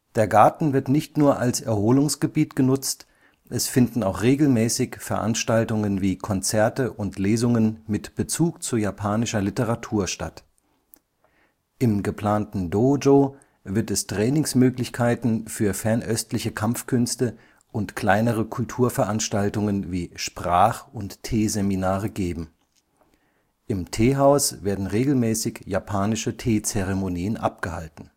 Der Garten wird nicht nur als Erholungsgebiet genutzt, es finden auch regelmäßig Veranstaltungen wie Konzerte und Lesungen mit Bezug zu japanischer Literatur statt. Im geplanten Dōjō wird es Trainingsmöglichkeiten für fernöstliche Kampfkünste und kleinere Kulturveranstaltungen wie Sprach - und Teeseminare geben. Im Teehaus werden regelmäßig japanische Teezeremonien abgehalten